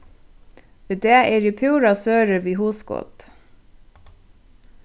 í dag eri eg púra sørur við hugskot